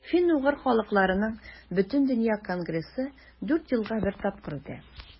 Фин-угыр халыкларының Бөтендөнья конгрессы дүрт елга бер тапкыр үтә.